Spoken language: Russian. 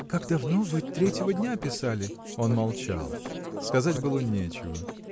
– Как давно: вы третьего дня писали. Он молчал: сказать было нечего.